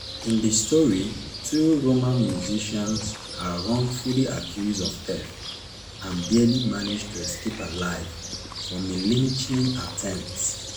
In the story, two Roma musicians are wrongfully accused of theft and barely manage to escape alive from a lynching attempt.